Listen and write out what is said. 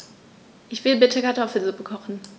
Ich will bitte Kartoffelsuppe kochen.